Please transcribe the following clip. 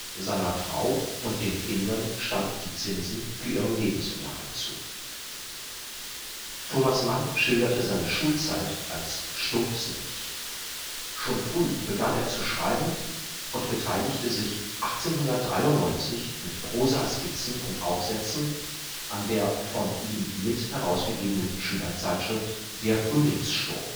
Seiner Frau und den Kindern standen die Zinsen für ihren Lebensunterhalt zu. Thomas Mann schilderte seine Schulzeit als stumpfsinnig. Schon früh begann er zu schreiben und beteiligte sich 1893 mit Prosaskizzen und Aufsätzen an der von ihm mit herausgegebenen Schülerzeitschrift Der Frühlingssturm